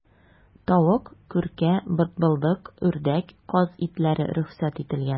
Тавык, күркә, бытбылдык, үрдәк, каз итләре рөхсәт ителгән.